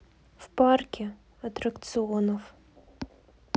в парке аттракционов